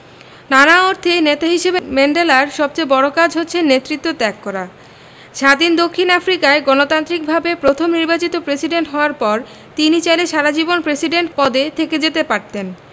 নানা অর্থেই নেতা হিসেবে ম্যান্ডেলার সবচেয়ে বড় কাজ হচ্ছে নেতৃত্ব ত্যাগ করা স্বাধীন দক্ষিণ আফ্রিকায় গণতান্ত্রিকভাবে প্রথম নির্বাচিত প্রেসিডেন্ট হওয়ার পর তিনি চাইলে সারা জীবন প্রেসিডেন্ট পদে থেকে যেতে পারতেন